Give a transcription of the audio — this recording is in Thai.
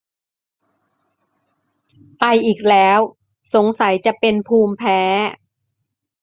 ไออีกแล้วสงสัยจะเป็นภูมิแพ้